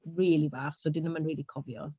rili bach, so 'dyn nhw'm yn rili cofio.